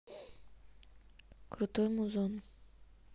крутой музон